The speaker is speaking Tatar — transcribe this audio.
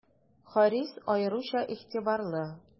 Харис аеруча игътибарлы.